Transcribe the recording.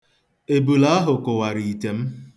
Ebule ahụ kụwara ite m.